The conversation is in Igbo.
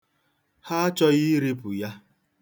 Ha achọghị iripụ ya